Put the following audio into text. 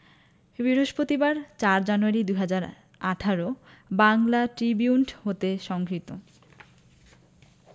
বৃহস্পতিবার ০৪ January ২০১৮ Bangla Tribune হতে সংগৃহীত